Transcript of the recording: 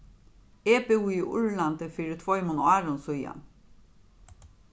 eg búði í írlandi fyri tveimum árum síðan